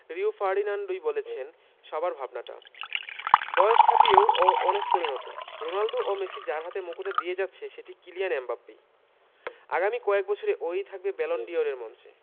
Rio ফার্ডিনান্ডই বলেছেন সবার ভাবনাটা বয়স ছাপিয়েও ও অনেক পরিণত রোনালদো ও মেসি যার হাতে মুকুটটা দিয়ে যাচ্ছে সেটি কিলিয়ান এমবাপ্পেই আগামী কয়েক বছরে ও ই থাকবে ব্যালন ডি অরের মঞ্চে